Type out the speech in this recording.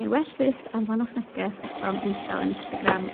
...neu well fyth anfonwch neges atom i'n tudalen Instagram...